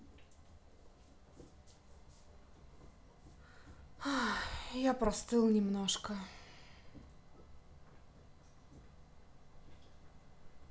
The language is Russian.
я простыл немножко